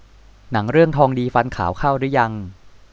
หนังเรื่องทองดีฟันขาวเข้ารึยัง